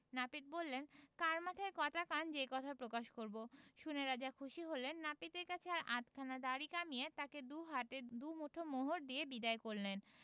নাপিত বললে কার মাথায় কটা কান যে এ কথা প্রকাশ করব শুনে রাজা খুশি হলেন নাপিতের কাছে আর আধখানা দাড়ি কামিয়ে তাকে দু হাতে দু মুঠো মোহর দিয়ে বিদায় করলেন